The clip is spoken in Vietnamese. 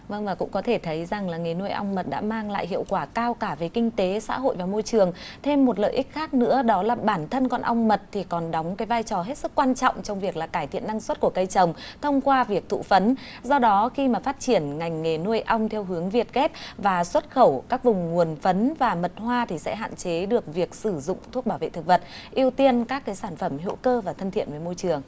vâng và cũng có thể thấy rằng là nghề nuôi ong mật đã mang lại hiệu quả cao cả về kinh tế xã hội và môi trường thêm một lợi ích khác nữa đó là bản thân con ong mật thì còn đóng cái vai trò hết sức quan trọng trong việc là cải thiện năng suất của cây trồng thông qua việc thụ phấn do đó khi mà phát triển ngành nghề nuôi ong theo hướng việt ghép và xuất khẩu các vùng nguồn phấn và mật hoa thì sẽ hạn chế được việc sử dụng thuốc bảo vệ thực vật ưu tiên các cái sản phẩm hữu cơ và thân thiện với môi trường